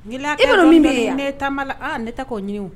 N' i min bɛ ne la ne tɛ'o ɲini